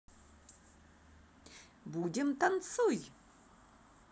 будем танцуй